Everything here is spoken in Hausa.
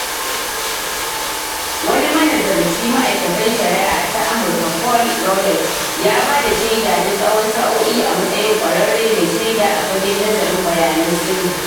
Wani manazarci ma'aikatar shari'a ta Amurka Paul Rowlett ya ba da shaida na tsawon sa'o'i a matsayin kwararre mai shaida a fagen nazarin bayanan sirri.